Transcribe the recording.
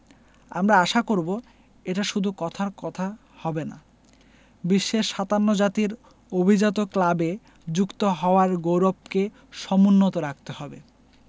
আমরা আশা করব এটা শুধু কথার কথা হবে না বিশ্বের ৫৭ জাতির অভিজাত ক্লাবে যুক্ত হওয়ার গৌরবকে সমুন্নত রাখতে হবে